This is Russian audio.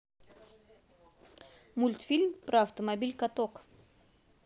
мультфильм про автомобиль каток